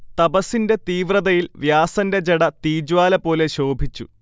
തപസ്സിന്റെ തീവ്രതയിൽ വ്യാസന്റെ ജട തീജ്വാലപോലെ ശോഭിച്ചു